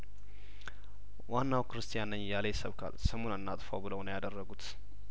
ዋናው ክርስቲያን ነኝ እያለይሰብ ካል ስሙን እናጥፋው ብለው ነው ያደረጉት